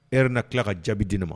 Er na tila ka jaabi di ne ma